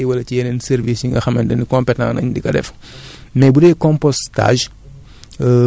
ku ko gën a soxla tamit mun nga rapprocher wu ci service INP yi wala ci yeneen services yi nga xamante ni compétants nañ di ko def